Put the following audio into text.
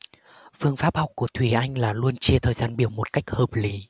phương pháp học của thùy anh là luôn chia thời gian biểu một cách hợp lý